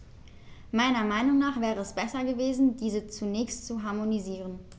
Meiner Meinung nach wäre es besser gewesen, diese zunächst zu harmonisieren.